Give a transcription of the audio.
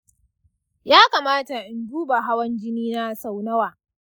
ya kamata in duba hawan jinina sau nawa?